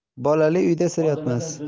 bolali uyda sir yotmas